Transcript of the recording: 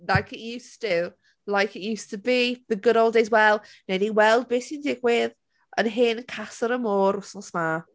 Like it used to. Like it used to be. The good old days. Wel, wnawn ni weld be sy'n digwydd, yn hen Casa Amor, wythnos 'ma.